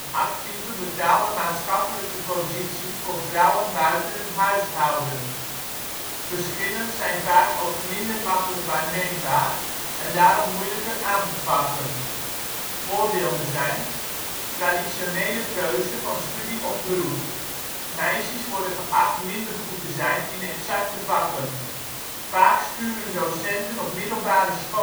actieve betaalde maatschappelijke positie voor vrouwen buiten het huishouden. Verschillen zijn vaak ook minder makkelijk waarneembaar en daarom moeilijker aan te pakken. Voorbeelden zijn: traditionele keuze van studie of beroep. Meisjes worden geacht minder goed te zijn in ' exacte ' vakken. Vaak sturen docenten op middelbare scholen